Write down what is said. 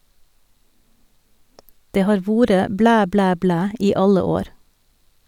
Det har vore blæ, blæ, blæ i alle år.